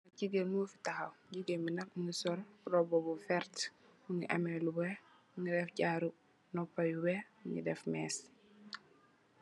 Jigeen mugii taxaw jigeen bi nak mugii sol róbba bu werta mugii ameh lu wèèx, mugii dèf jaru nopuh yu wèèx mugii def més.